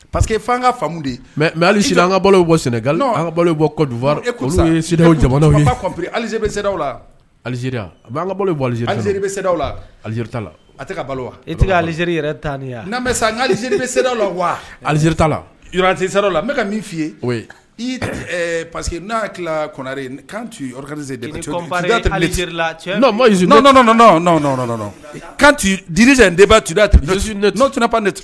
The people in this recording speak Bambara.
Pa que mɛ ali alize la aliz bɛ aliz aliz la ali e aliz tan n' sa aliz se la aliz la la bɛ ka min'i ye pa que n'a tilare kanezz dz de pan